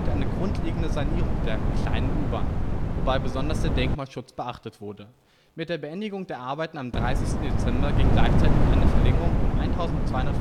eine grundlegende Sanierung der „ kleinen U-Bahn “, wobei besonders der Denkmalschutz beachtet wurde. Mit der Beendigung der Arbeiten am 30. Dezember ging gleichzeitig eine Verlängerung um 1.250